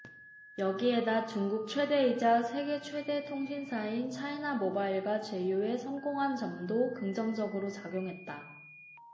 여기에다 중국 최대이자 세계 최대 통신사인 차이나모바일과 제휴에 성공한 점도 긍정적으로 작용했다